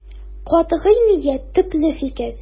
Катгый ният, төпле фикер.